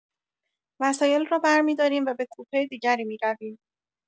وسایل را برمی‌داریم و به کوپه دیگری می‌رویم.